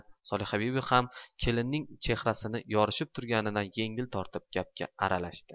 solihabibi ham kelinning chehrasi yorishib turganidan yengil tortib gapga aralashdi